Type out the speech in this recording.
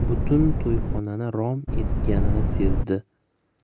butun to'yxonani rom etganini sezdi